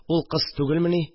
Ул кыз түгелмени